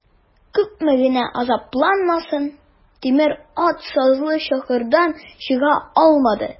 Күпме генә азапланмасын, тимер ат сазлы чокырдан чыга алмады.